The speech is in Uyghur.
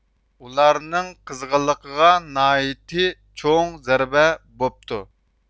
ئۇلارنىڭ قىزغىنلىقىغا ناھايىتى چوڭ زەربە بوپتۇ